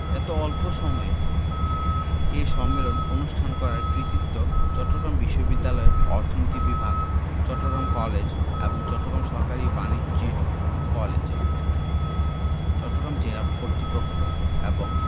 এত অল্প এ সম্মেলন অনুষ্ঠান করার কৃতিত্ব চট্টগ্রাম বিশ্ববিদ্যালয়ের অর্থনীতি বিভাগ চট্টগ্রাম কলেজ এবং চট্টগ্রাম সরকারি বাণিজ্য কলেজের চট্টগ্রাম জেলা কর্তৃপক্ষ এবং